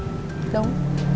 đúng